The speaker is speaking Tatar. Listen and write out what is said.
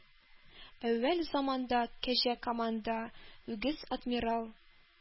Әүвәл заманда, кәҗә команда, үгез адмирал,